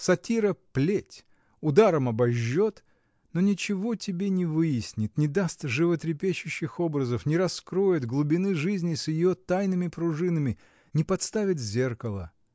Сатира — плеть: ударом обожжет, но ничего тебе не выяснит, не даст животрепещущих образов, не раскроет глубины жизни с ее тайными пружинами, не подставит зеркала.